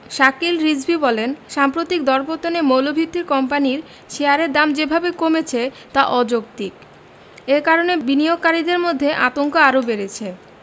শাকিল রিজভী বলেন সাম্প্রতিক দরপতনে মৌলভিত্তির কোম্পানির শেয়ারের দাম যেভাবে কমেছে তা অযৌক্তিক এ কারণে বিনিয়োগকারীদের মধ্যে আতঙ্ক আরও বেড়েছে